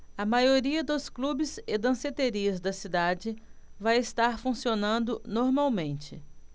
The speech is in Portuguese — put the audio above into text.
a maioria dos clubes e danceterias da cidade vai estar funcionando normalmente